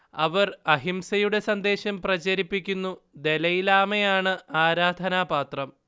അവർ അഹിംസയുടെ സന്ദേശം പ്രചരിപ്പിക്കുന്നു ദലൈലാമയാണ് ആരാധനാപാത്രം